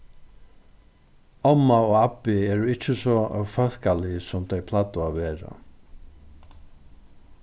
omma og abbi eru ikki so ófólkalig sum tey plagdu at vera